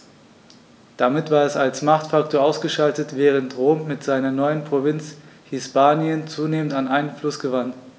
Damit war es als Machtfaktor ausgeschaltet, während Rom mit seiner neuen Provinz Hispanien zunehmend an Einfluss gewann.